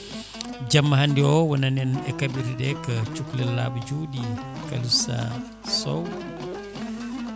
jamma hande o wonani en e kaɓirɗe o ko cukalel laaɓa juuɗe Kalisa Sow